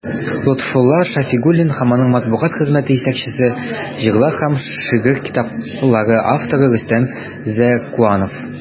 Лотфулла Шәфигуллин һәм аның матбугат хезмәте җитәкчесе, җырлар һәм шигырь китаплары авторы Рөстәм Зәкуанов.